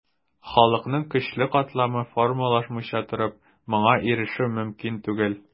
Халыкның көчле катламы формалашмыйча торып, моңа ирешү мөмкин түгел.